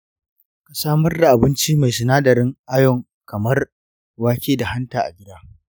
ka samar da abinci mai sinadarin ayon kamar wake da hanta a gida.